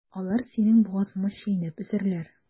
Алар синең бугазыңны чәйнәп өзәрләр.